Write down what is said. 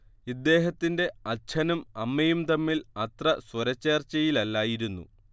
ഇദ്ദേഹത്തിന്റെ അച്ഛനും അമ്മയും തമ്മിൽ അത്ര സ്വരചേർച്ചയിലല്ലായിരുന്നു